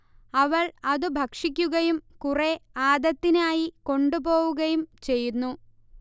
അവൾ അതു ഭക്ഷിക്കുകയും കുറേ ആദത്തിനായി കൊണ്ടുപോവുകയും ചെയ്യുന്നു